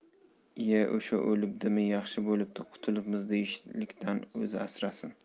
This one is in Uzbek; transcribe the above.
ie o'sha o'libdimi yaxshi bo'libdi qutulibmiz deyishlikdan o'zi asrasin